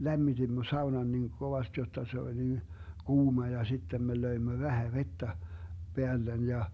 lämmitimme saunan niin kovasti jotta se oli niin kuuma ja sitten me löimme vähän vettä päälle ja